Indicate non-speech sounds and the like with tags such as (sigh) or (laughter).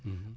(hesitation) (hesitation)